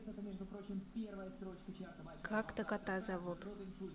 как то кота зовут